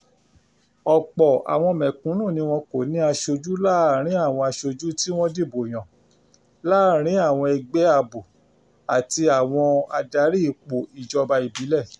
Ọ̀pọ̀ àwọn mẹ̀kúnù ni wọ́n kò ní aṣojú láàárín àwọn aṣojú tí wọ́n dìbò yàn, láàárín àwọn ẹgbẹ́ àbò àti àwọn adarí ipò ìjọba ìbílẹ̀.